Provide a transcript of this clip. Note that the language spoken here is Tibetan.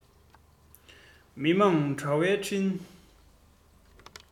མི དམངས དྲ བའི འཕྲིན